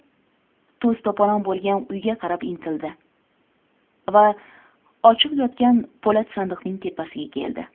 to's to'polon bo'lgan uyga qarab intildi va ochiq yotgan po'lat sandiqning tepasiga keldi